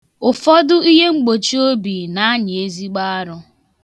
Ufodu ihemgbochiobi na-anyị ezigbo arụ